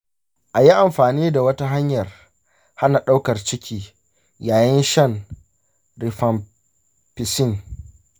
a yi amfani da wata hanyar hana ɗaukar ciki yayin shan rifampicin.